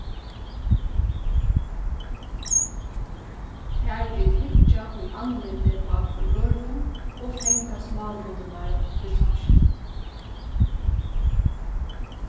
har vit hyggja í andlitið á hvør øðrum og fanga smálutirnar í samskiftinum